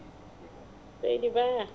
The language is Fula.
seydi Ba